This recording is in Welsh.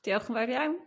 Diolch 'n far iawn.